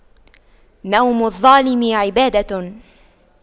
نوم الظالم عبادة